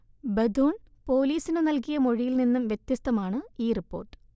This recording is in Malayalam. ബഥൂൺ പോലീസിനു നൽകിയ മൊഴിയിൽ നിന്നും വ്യത്യസ്തമാണ് ഈ റിപ്പോർട്ട്